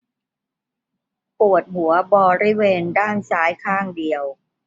ปวดหัวบริเวณด้านซ้ายข้างเดียว